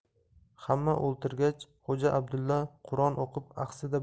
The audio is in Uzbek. hamma o'ltirgach xo'ja abdulla quron o'qib axsida